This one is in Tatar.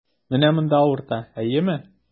Менә монда авырта, әйеме?